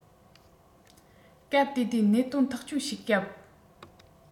སྐབས དེ དུས གནད དོན ཐག གཅོད བྱེད སྐབས